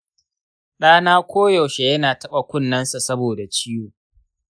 ɗana koyaushe yana taɓa kunnensa saboda ciwo.